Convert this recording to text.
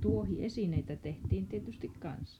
no tuohiesineitä tehtiin tietysti kanssa